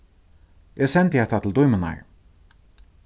eg sendi hetta til dímunar